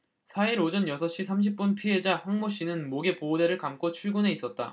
사 일 오전 여섯 시 삼십 분 피해자 황모씨는 목에 보호대를 감고 출근해 있었다